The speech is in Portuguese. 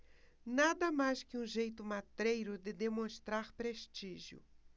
nada mais que um jeito matreiro de demonstrar prestígio